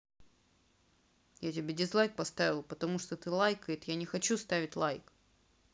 я тебе дизлайк поставил потому что ты лайкает я не хочу ставить лайк